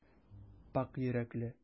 Пакь йөрәкле.